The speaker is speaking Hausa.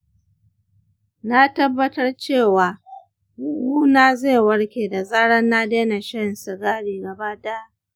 na tabbatar cewa huhuna zai warke da zarar na daina shan sigari gaba ɗaya.